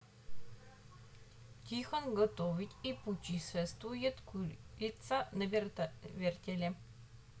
тихон готовить и путешествует курица на вертеле